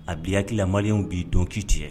A bi hakima b'i dɔn kki tigɛ